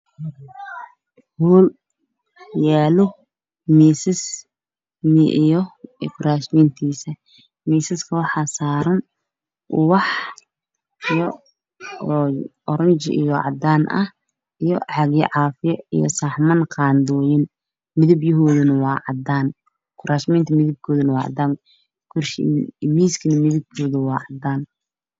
Hool yalo miss io kursman miiska waxa rasaran ubax oo oraji io cadan ah io cafi saxaman io qadoyin midabkode waa cadan kursmankan waa cadan miiiskan waa cadan